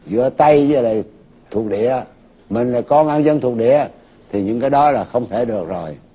giữa tay với lại thuộc địa mình là con nông dân thuộc địa thì những cái đó là không thể được rồi